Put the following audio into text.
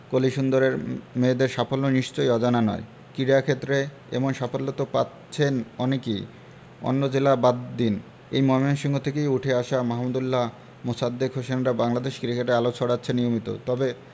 কলিসুন্দরের মেয়েদের সাফল্য নিশ্চয়ই অজানা নয় কীড়াক্ষেত্রে এমন সাফল্য তো পাচ্ছেন অনেকেই অন্য জেলা বাদ দিন এ ময়মনসিংহ থেকেই উঠে আসা মাহমুদউল্লাহ মোসাদ্দেক হোসেনরা বাংলাদেশ ক্রিকেটে আলো ছড়াচ্ছেন নিয়মিত তবে